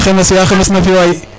Ya Khemesse Y Khemesse namfio waay